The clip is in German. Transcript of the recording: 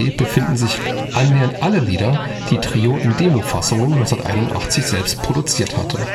befinden sich annähernd alle Lieder, die Trio in Demo-Fassungen 1981 selbst produziert hatte